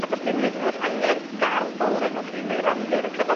A do's dim hyd yn o'd angen gardd fowr arnoch chi neu randir y cyfan